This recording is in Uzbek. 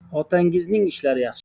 otangizning ishlari yaxshimi